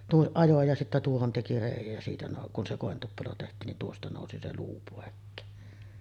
tuon ajoi ja sitten tuohon teki reiän ja siitä - kun se kointuppelo tehtiin niin tuosta nousi se luu pois